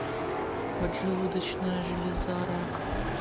поджелудочная железарак